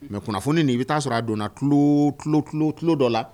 Mɛ kunnafoni nin i bɛ taa sɔrɔ a donna tulo tulo dɔ la